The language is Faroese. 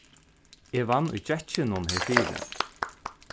eg vann í gekkinum herfyri